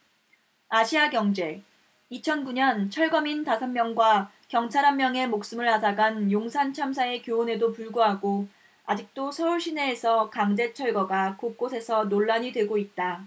아시아경제 이천 구 년 철거민 다섯 명과 경찰 한 명의 목숨을 앗아간 용산참사의 교훈에도 불구하고 아직도 서울 시내에서 강제철거가 곳곳에서 논란이 되고 있다